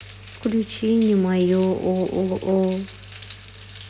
включи не мое о о о